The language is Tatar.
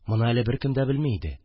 Моны әле беркем дә белми иде